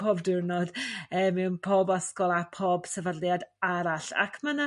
pob diwrnod ee mewn pob ysgol a pob sefydliad arall ac ma' 'na